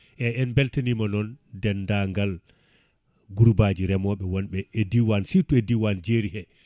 eyyi en beltanima noon dendangal groupe aji reemoɓe wonɓe e diwan surtout e diwan jeeri he